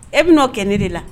E bɛ n' o kɛ ne de la